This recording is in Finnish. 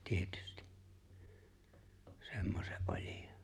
tietysti semmoisen olion